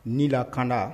Ni' lakda